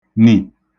-nì